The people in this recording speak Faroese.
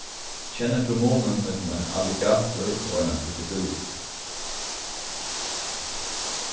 kennir tú munin millum ein alligator og eina krokodillu